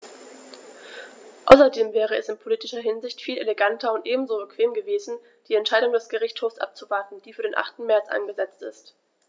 Außerdem wäre es in politischer Hinsicht viel eleganter und ebenso bequem gewesen, die Entscheidung des Gerichtshofs abzuwarten, die für den 8. März angesetzt ist.